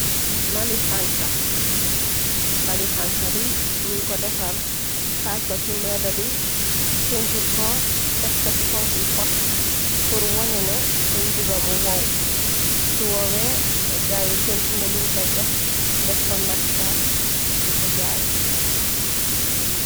Lali hanha bi ñun ko defar taaj ko ci mbeeda bi pentur ko tekko ci kow hippot pur wone ne dañ bugamu wow. Su woowe gaayi kontina liñ fay def defa martras di ko jaay.